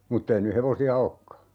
mutta ei nyt hevosia olekaan